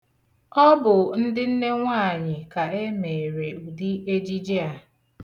Ọ bụ ndị nnenwaanyị ka e meere ụdị ejiji a